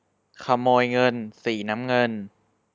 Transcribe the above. ขโมยเงินสีน้ำเงิน